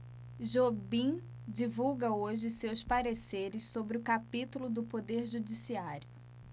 jobim divulga hoje seus pareceres sobre o capítulo do poder judiciário